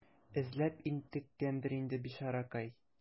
Эзләп интеккәндер инде, бичаракай.